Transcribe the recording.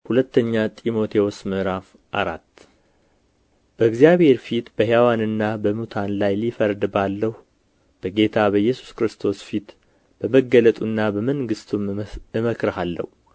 ሁለተኛ ጢሞቴዎስ ምዕራፍ አራት በእግዚአብሔር ፊት በሕያዋንና በሙታንም ሊፈርድ ባለው በጌታ በኢየሱስ ክርስቶስ ፊት በመገለጡና በመንግሥቱም እመክርሃለሁ